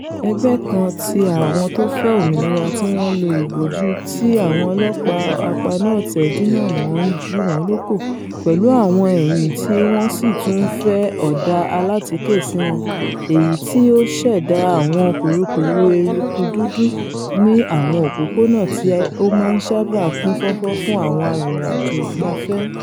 Ẹgbẹ́ kan ti àwọn tó fẹ́ omìnira tíwọn lo ìbòjú tí àwọn ọlọ́ọ̀pá apaná-ọ̀tẹ̀ dínà mọ́ ńju wọ́n lókò pẹ̀lú àwọn ẹyin ti wọn sì tún ńfẹ́ ọ̀dà aláàtíkè sí wọn, èyití ó ṣẹ̀dá àwọn kùrukùru eruku dúdú ní àwọn òpópónà tí ó máa ńsáábà kún fọ́fọ́ fún àwọn arìnrìn-àjò ìgbafẹ́.